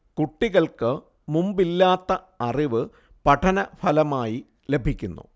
കുട്ടികൾക്ക് മുമ്പില്ലാത്ത അറിവ് പഠനഫലമായി ലഭിക്കുന്നു